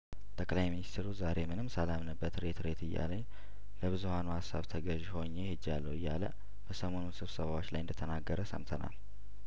ጠቅላይ ሚኒስትሩ ዛሬ ምንም ሳላምንበት ሬት ሬት እያለኝ ለብዙሀኑ ሀሳብ ተገዥ ሆኜ ሄጃለሁ እያለ በሰሞኑ ስብሰባዎች ላይ እንደተናገረ ሰምተናል